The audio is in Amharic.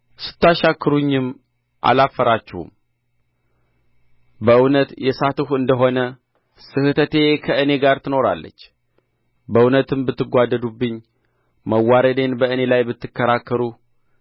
ስታሻክሩኝም አላፈራችሁም በእውነትም የሳትሁ እንደ ሆነ ስሕተቴ ከእኔ ጋር ትኖራለች በእውነትም ብትጓደዱብኝ መዋረዴን በእኔ ላይ ብትከራከሩ